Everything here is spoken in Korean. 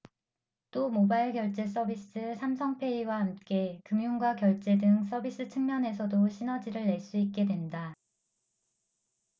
또 모바일 결제 서비스 삼성페이와 함께 금융과 결제 등 서비스 측면에서도 시너지를 낼 수 있게 된다